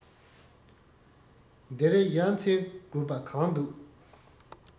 འདིར ཡ མཚན དགོས པ གང འདུག